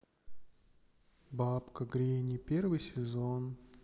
бабка гренни первый сезон